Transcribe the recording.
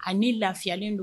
A ni lafiyalen don